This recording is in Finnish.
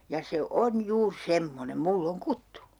ja se on juuri semmoinen minulla on kuttu